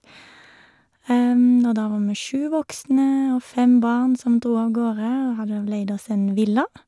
Og da var vi sju voksne og fem barn som dro avgårde og hadde leid oss en villa.